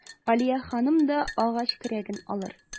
Алия ханым да агач көрәген алыр.